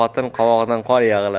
yomon xotin qovog'idan qor yog'ilar